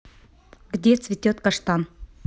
где цветет каштан